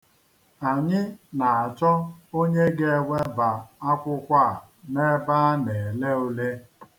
Anyị na-achọ onye ga-eweba akwụkwọ a n'ebe a na-ele ule.